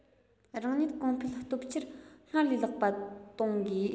རང ཉིད གོང འཕེལ སྟོབས ཆེར སྔར ལས ལེགས པ གཏོང དགོས